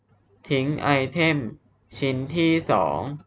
ทิ้งไอเทมชิ้นที่สอง